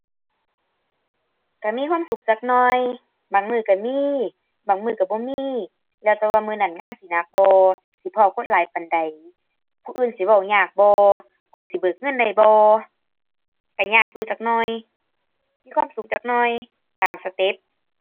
ก็มีความสุขจักหน่อย บางมื้อก็มี บางมื้อก็บ่มี แล้วแต่ว่ามื้อนั้นงานสิหนักบ่ สิพ้อคนหลายปานใด ผู้อื่นสิเว้ายากบ่ ข้อยสิเบิกเงินได้บ่ ก็ยากอยู่จักหน่อย มีความสุขจักหน่อย ตามสเต็ป